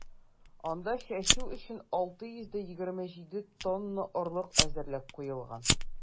Анда чәчү өчен 627 тонна орлык әзерләп куелган.